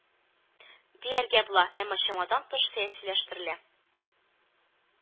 Дияргә була, әмма чамадан тыш сәясиләштерелә